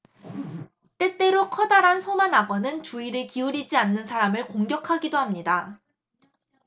때때로 커다란 소만악어는 주의를 기울이지 않는 사람을 공격하기도 합니다